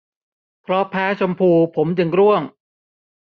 เพราะแพ้แชมพูผมจึงร่วง